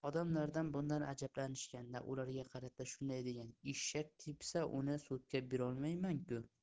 odamlar bundan ajablanishganda ularga qarata shunday degan eshak tepsa uni sudga berolmayman ku